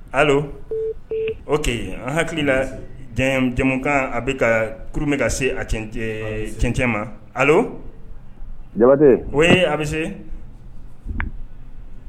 Allo, ok an hakili la jamumukan a bɛ ka kurun bɛ ka se a cɛncɛ cɛncɛn ma allo Jabate, oui a bɛ se